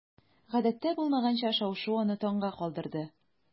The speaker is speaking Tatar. Гадәттә булмаганча шау-шу аны таңга калдырды.